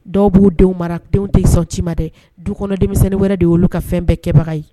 Dɔw b'u denw mara denw tɛ sɔn ci ma dɛ dukɔnɔ denmisɛnnin wɛrɛ de olu ka fɛn bɛɛ kɛbaga ye